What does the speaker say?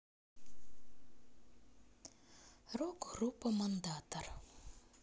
рок группа мандатор